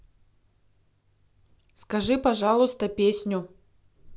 скажи пожалуйста песню